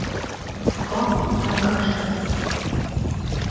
папа какашка